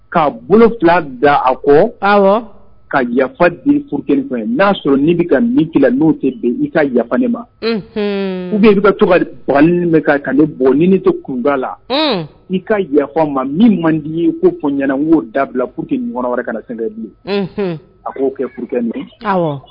K'a bolo da a kɔ ka yafa di furu kelen ye n'a'a sɔrɔ n'i bɛ ka min n'o tɛ i ka yafa ne ma i ka tɔgɔ ka ne bɔ ni to kunda la i ka yafa ma min man di ye ko fɔ ɲɛna'o dabila tɛ ɲɔgɔn wɛrɛ kana na sɛnɛ bi a k'o kɛ furu min